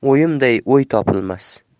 ham o'yimday o'y topilmas